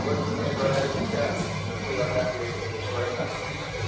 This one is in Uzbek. o'z turgan joylaringizda bizga yordam berishingizni so'rayman